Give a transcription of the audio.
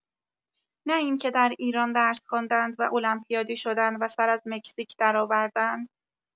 نه این که در ایران درس خواندند و المپیادی شدند و سر از مکزیک درآوردند.